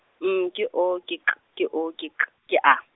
M ke O ke K ke O ke K ke A.